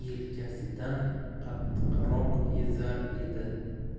yelkasidan qattiqroq ezar edi